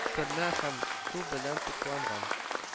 Хөрмә һәм су белән тукланган